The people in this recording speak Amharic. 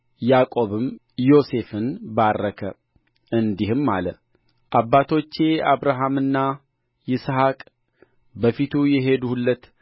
ያዕቆብም ዮሴፍን ባረከ እንዲህም አለ አባቶቼ አብርሃምና ይስሐቅ በፊቱ የሄዱለት